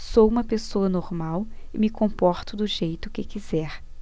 sou homossexual e me comporto do jeito que quiser